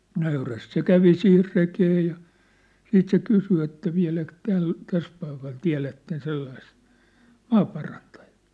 nöyrästi se kävi siihen rekeen ja sitten se kysyi että vieläkö tällä tässä paikalla tiedätte sellaista maaparantajaa